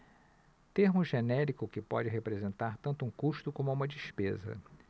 termo genérico que pode representar tanto um custo como uma despesa